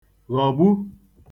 -ghògbu